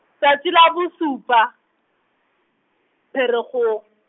tsatsi la bosupa, Pherekgong .